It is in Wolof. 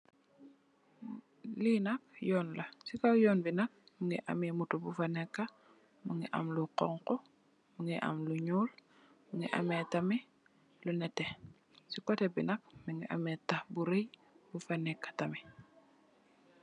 Li nak yonla, ci kaw yon bi nak mungii ameh moto bufa neka, mungii amm lu khonkhu mungii amm lu nyul, mungi ameh tamit lu nete, ci kote bi nak mungi ameh tahk bu rey bufaneka.